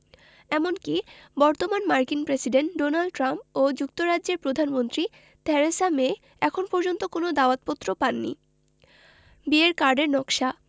এমনকি বর্তমান মার্কিন প্রেসিডেন্ট ডোনাল্ড ট্রাম্প ও যুক্তরাজ্যের প্রধানমন্ত্রী থেরেসা মে এখন পর্যন্ত কোনো দাওয়াতপত্র পাননি বিয়ের কার্ডের নকশা